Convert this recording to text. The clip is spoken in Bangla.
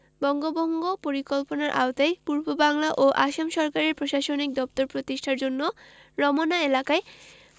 বঙ্গভঙ্গ পরিকল্পনার আওতায় পূর্ববাংলা ও আসাম সরকারের প্রশাসনিক দপ্তর প্রতিষ্ঠার জন্য রমনা এলাকায়